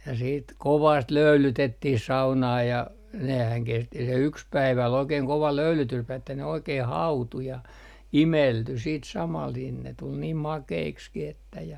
ja sitten kovasti löylytettiin saunaa ja nehän kesti se yksi päivä oli oikein kova löylytyspäivä että ne oikein hautui ja imeltyi sitten samalla niin ne tuli niin makeiksikin että ja